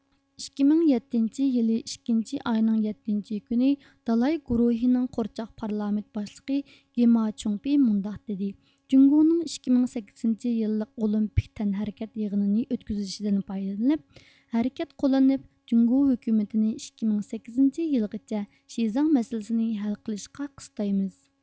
ئىككى مىڭ يەتتىنچى يىل ئىككىنچى ئاينىڭ يەتتىنچى كۈنى دالاي گۇرۇھىنىڭ قورچاق پارلامېنت باشلىقى گېماچۈڭپېي مۇنداق دېدى جۇڭگونىڭ ئىككى مىڭ سەككىزىنچى يىللىق ئولىمپىك تەنھەركەت يېغىنىنى ئۆتكۈزۈشىدىن پايدىلىنىپ ھەرىكەت قوللىنىپ جۇڭگو ھۆكۈمىتىنى ئىككى مىڭ سەككىزىنچى يىلغىچە شىزاڭ مەسىلىسىنى ھەل قىلىشقا قىستايمىز